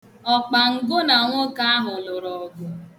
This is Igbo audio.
Ọkpango na nwoke ahụ lụrụ ọgụ.